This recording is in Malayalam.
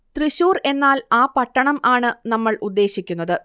തൃശ്ശൂർ എന്നാൽ ആ പട്ടണം ആണ് നമ്മൾ ഉദ്ദേശിക്കുന്നത്